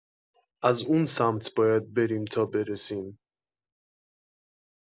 از اون سمت باید بریم تا برسیم